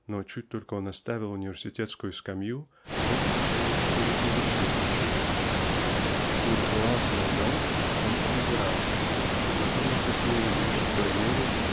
но чуть только он оставил университетскую скамью он чувствует что не получил ничего. "Буржуазную" науку он презирал знакомился с нею лишь в той мере